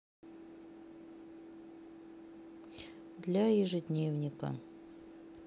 для ежедневника